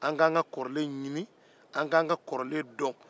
an k'an ka kɔrɔlen ɲini k'a dɔn